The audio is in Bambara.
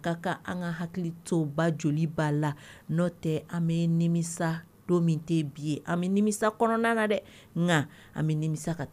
An ka hakili to joli la n' tɛ an bɛ nimisa don min tɛ bi ye an bɛ nimisa kɔnɔna na dɛ nka an bɛmisa ka